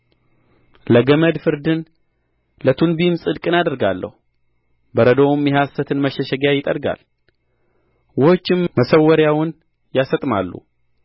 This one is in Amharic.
ለገመድ ፍርድን ለቱንቢም ጽድቅን አደርጋለሁ በረዶውም የሐሰትን መሸሸጊያ ይጠርጋል ውኆችም መሰወሪያውን ያሰጥማሉ